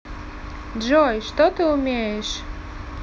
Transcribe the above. джой что ты умеешь